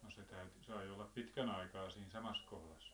no se täytyi sai olla pitkän aikaa siinä samassa kohdassa